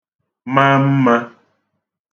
ma mmā